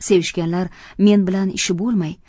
sevishganlar men bilan ishi bo'lmay